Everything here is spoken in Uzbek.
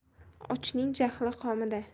ochning jahli qomida